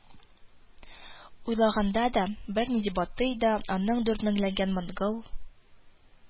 Уйлаганда да, бернинди батый да, аның дүрт меңләгән монгол